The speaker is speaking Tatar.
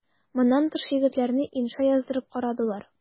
Моннан тыш егетләрне инша яздырып карадылар.